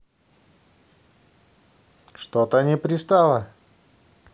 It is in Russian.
что то не пристало